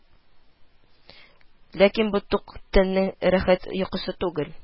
Ләкин бу тук тәннең рәхәт йокысы түгел